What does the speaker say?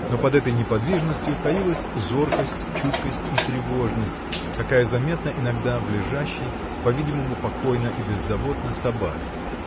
Но под этой неподвижностью таилась зоркость, чуткость и тревожность, какая заметна иногда в лежащей, по-видимому, покойно и беззаботно, собаке.